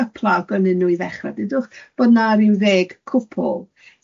gypla o'dd gynnyn nw i ddechra, dudwch, bod 'na ryw ddeg cwpwl.